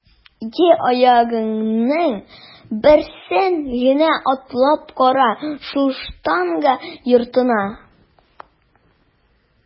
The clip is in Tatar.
Ике аягыңның берсен генә атлап кара шул штанга йортына!